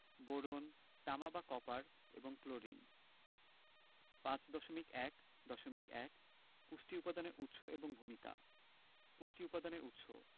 boron তামা বা copper এবং ক্লোরিন ৫.১.১ পুষ্টি উপাদানের উৎস এবং ভূমিকা পুষ্টি উপাদানের উৎস